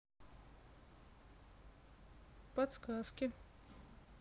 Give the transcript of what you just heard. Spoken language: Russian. подсказки